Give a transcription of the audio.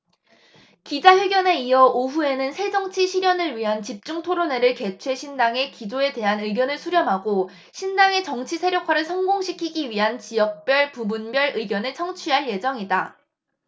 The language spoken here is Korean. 기자회견에 이어 오후에는 새정치 실현을 위한 집중 토론회를 개최 신당의 기조에 대한 의견을 수렴하고 신당의 정치 세력화를 성공시키기 위한 지역별 부문별 의견을 청취할 예정이다